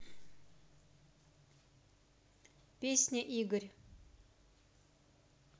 песня игорь